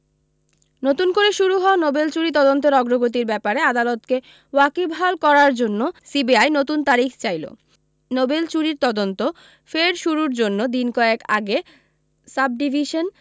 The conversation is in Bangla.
নতুন করে শুরু হওয়া নোবেল চুরি তদন্তের অগ্রগতির ব্যাপারে আদালতকে ওয়াকিবহাল করার জন্য সিবিআই নতুন তারিখ চাইল নোবেল চুরির তদন্ত ফের শুরুর জন্য দিনকয়েক আগে সাবডিভিশন